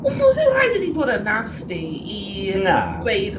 Does dim rhaid i ni bod yn nasty i... Na... ddweud...